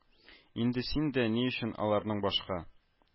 Инде син дә ни өчен аларның башка